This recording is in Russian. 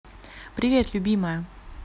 привет любимая